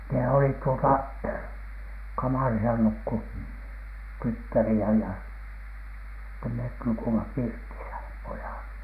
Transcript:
ne olivat tuota kamarissa nukkui tyttäriä ja sitten me nukuimme pirtissä pojat